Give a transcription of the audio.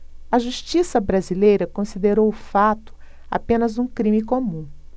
a justiça brasileira considerou o fato apenas um crime comum